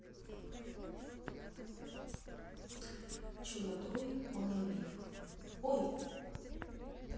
челодой маловек ой